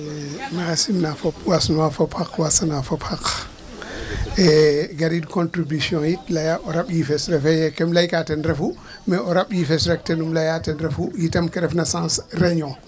Maxey simna fop waasnuwaa fop xaq waasana fop xaq garid contribution yit laya o raɓ yiifes refee yee keem layka ten refu mais o raɓ yiifes rek ten um laya ten refu yit tes refu sens réunion.